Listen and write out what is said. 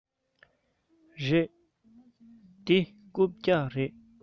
རེད འདི རྐུབ བཀྱག རེད